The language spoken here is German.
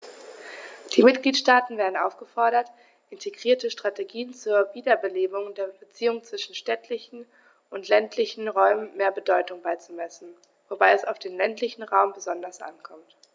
Die Mitgliedstaaten werden aufgefordert, integrierten Strategien zur Wiederbelebung der Beziehungen zwischen städtischen und ländlichen Räumen mehr Bedeutung beizumessen, wobei es auf den ländlichen Raum besonders ankommt.